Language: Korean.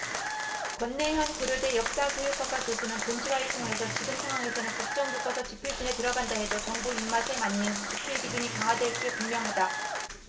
권내현 고려대 역사교육학과 교수는 본지와의 통화에서 지금 상황에서는 국정교과서 집필진에 들어간다 해도 정부 입맛에 맞는 집필 기준이 강화될 게 분명하다